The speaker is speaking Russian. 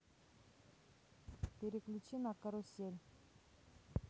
переключи на карусель